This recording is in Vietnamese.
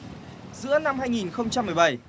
giữa năm hai nghìn không trăm mười bảy